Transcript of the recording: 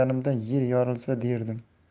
uyalganimdan yer yorilsa derdim